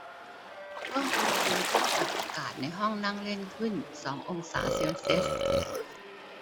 เพิ่มอุณหภูมิเครื่องปรับอากาศในห้องนั่งเล่นขึ้นสององศาเซลเซียส